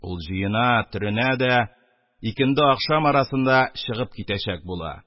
Ул җыена, төренә дә икенде-ахшам арасында чыгып китәчәк була —